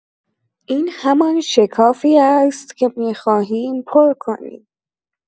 این همان شکافی است که می‌خواهیم پر کنیم.